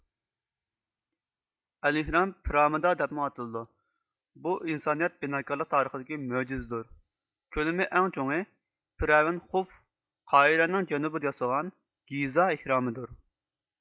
ئەلھئېرام پرامىدا دەپمۇ ئاتىلىدۇ بۇ ئىنسانىيەت بىناكارلىق تارىخىدىكى مۆجىزىدۇر كۆلىمى ئەڭ چوڭى پىرئەۋىن خۇف قاھىرەنىڭ جەنۇبىدا ياسىغان گىزائېھرامىدۇر